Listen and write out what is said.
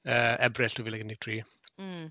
Yy Ebrill dwy fil ag un deg tri... Mm.